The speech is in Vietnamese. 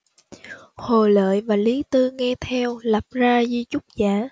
hồ hợi và lý tư nghe theo lập ra di chúc giả